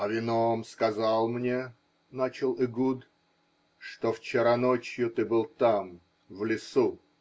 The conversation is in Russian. -- Авиноам сказал мне, -- начал Эгуд, -- что вчера ночью ты был там, в лесу.